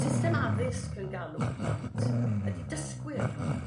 system addysg yn galw plant ydi dysgwyr.